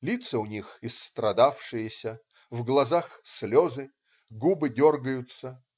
" Лица у них исстрадавшиеся, в глазах слезы, губы дергаются.